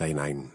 ...a'i nain.